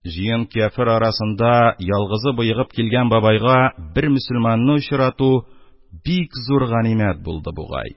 Җыен кяфер арасында ялгызы боегып килгән бабайга бер мөселманны очрату бик зур ганимәт булды бугай.